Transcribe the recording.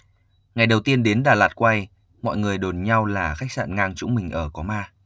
ngày đầu tiên đến đà lạt quay mọi người đồn nhau là khách sạn ngang chỗ mình ở có ma